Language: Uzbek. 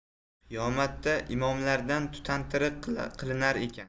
qiyomatda imomlardan tutantiriq qilinar ekan